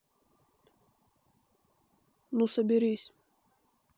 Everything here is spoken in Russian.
ну соберись